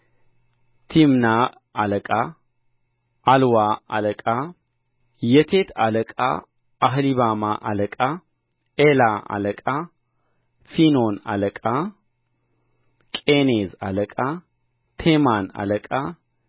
ቲምናዕ አለቃ ዓልዋ አለቃ የቴት አለቃ አህሊባማ አለቃ ኤላ አለቃ ፊኖን አለቃ ቄኔዝ አለቃ ቴማን አለቃ